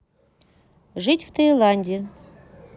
жить в таиланде